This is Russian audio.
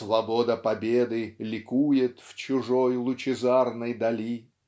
Свобода победы ликует В чужой лучезарной дали